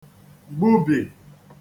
gbubì